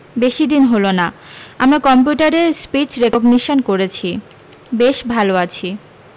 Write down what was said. বেশী দিন হল না আমরা কম্পিউটারে স্পীচ রেকগনিসান করেছি বেস ভালো আছি